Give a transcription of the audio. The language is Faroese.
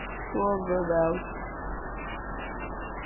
sovið væl